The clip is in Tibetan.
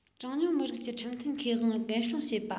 གྲངས ཉུང མི རིགས ཀྱི ཁྲིམས མཐུན ཁེ དབང འགན སྲུང བྱེད པ